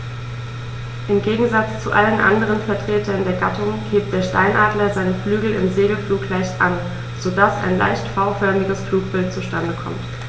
Im Gegensatz zu allen anderen Vertretern der Gattung hebt der Steinadler seine Flügel im Segelflug leicht an, so dass ein leicht V-förmiges Flugbild zustande kommt.